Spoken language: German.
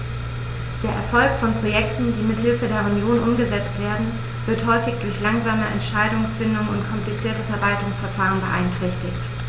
Der Erfolg von Projekten, die mit Hilfe der Union umgesetzt werden, wird häufig durch langsame Entscheidungsfindung und komplizierte Verwaltungsverfahren beeinträchtigt.